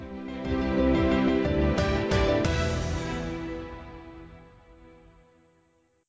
music